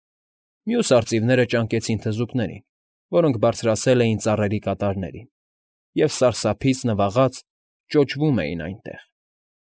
Մյուս արծիվները ճանկեցին թզուկներին, որոնք բարձրացել էին ծառերի կատարներին և, սարսափից, նվաղած, ճոճվում էին այնտեղ։